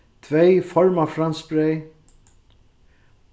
tvey formafranskbreyð